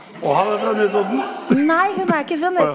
og han er fra Nesodden å ja.